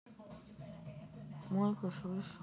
мойка слыш